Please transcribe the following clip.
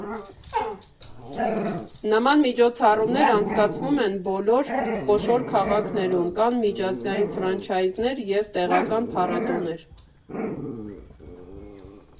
Նման միջոցառումներ անցկացվում են բոլոր խոշոր քաղաքներում, կան միջազգային ֆրանչայզներ և տեղական փառատոներ։